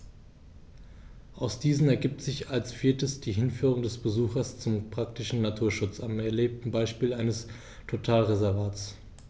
Aus diesen ergibt sich als viertes die Hinführung des Besuchers zum praktischen Naturschutz am erlebten Beispiel eines Totalreservats.